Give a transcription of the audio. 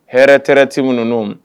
Hɛrɛ hɛrɛti ninnu